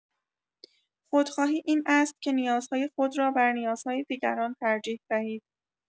خودخواهی این است که نیازهای خود را بر نیازهای دیگران ترجیح دهید.